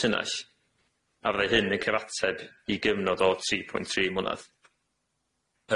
tunnall a fyddai hyn yn cyfateb i gyfnod o tri pwynt tri mlynadd.